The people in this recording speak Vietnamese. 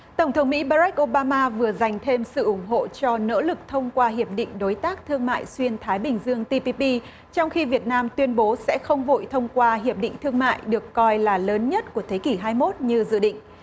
tổng thống mỹ ba rách ô ba ma vừa giành thêm sự ủng hộ cho nỗ lực thông qua hiệp định đối tác thương mại xuyên thái bình dương ti pi pi trong khi việt nam tuyên bố sẽ không vội thông qua hiệp định thương mại được coi là lớn nhất của thế kỷ hai mốt như dự định